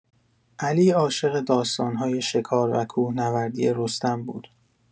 علی عاشق داستان‌های شکار و کوه‌نوردی رستم بود.